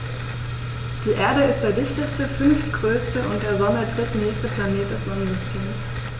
Die Erde ist der dichteste, fünftgrößte und der Sonne drittnächste Planet des Sonnensystems.